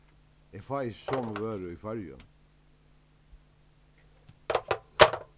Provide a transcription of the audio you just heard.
eg fái ikki somu vøru í føroyum